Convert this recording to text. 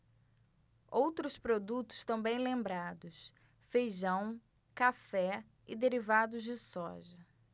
outros produtos também lembrados feijão café e derivados de soja